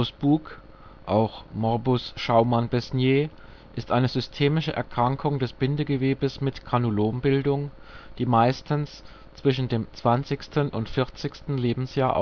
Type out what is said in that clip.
buhk, auch: Morbus Schaumann-Besnier) ist eine systemische Erkrankung des Bindegewebes mit Granulombildung, die meistens zwischen dem 20. und 40. Lebensjahr